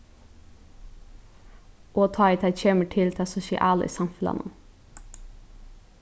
og tá ið tað kemur til tað sosiala í samfelagnum